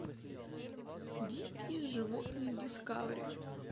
дикие животные дискавери